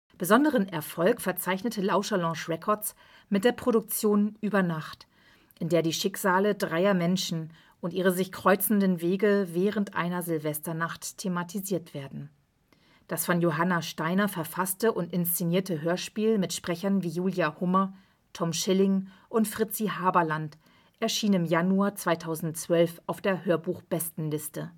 Besonderen Erfolg verzeichnete Lauscherlounge Records mit der Produktion übernacht, in der die Schicksale dreier Menschen und ihre sich kreuzenden Wege während einer Silvesternacht thematisiert werden. Das von Johanna Steiner verfasste und inszenierte Hörspiel mit Sprechern wie Julia Hummer, Tom Schilling und Fritzi Haberlandt erschien im Januar 2012 auf der Hörbuchbestenliste